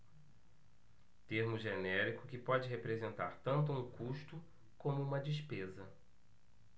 termo genérico que pode representar tanto um custo como uma despesa